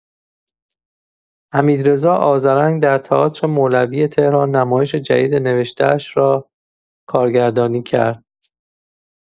حمیدرضا آذرنگ در تئاتر مولوی تهران نمایش جدید نوشته‌اش را کارگردانی کرد.